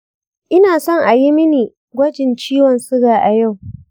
ina son ayi mini gwajin ciwon suga a yau.